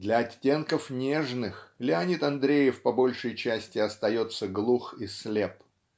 для оттенков нежных Леонид Андреев по большей части остается глух и слеп.